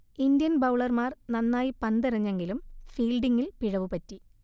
Indian ബൗളർമാർ നന്നായി പന്തെറിഞ്ഞെങ്കിലും ഫീൽഡിങ്ങിൽ പിഴവു പറ്റി